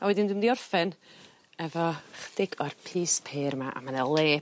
A wedyn dwi mynd i orffen efo chydig o'r pys pêr 'ma a ma' 'na le